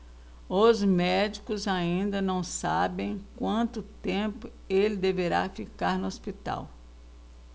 os médicos ainda não sabem quanto tempo ele deverá ficar no hospital